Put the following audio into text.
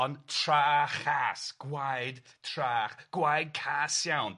Ond trachas gwaed trach- gwaed cas iawn.